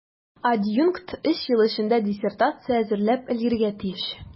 Адъюнкт өч ел эчендә диссертация әзерләп өлгерергә тиеш.